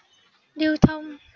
lưu thông